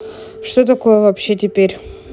что такое вообще теперь